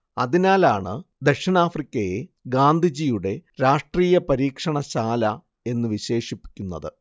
അതിനാലാണ് ദക്ഷിണാഫ്രിക്കയെ ഗാന്ധിജിയുടെ രാഷ്ട്രീയ പരീക്ഷണശാല എന്നു വിശേഷിപ്പിക്കുന്നത്